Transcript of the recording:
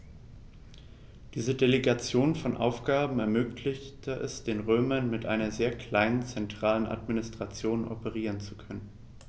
Diese Delegation von Aufgaben ermöglichte es den Römern, mit einer sehr kleinen zentralen Administration operieren zu können.